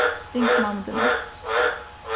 ring til mammu tína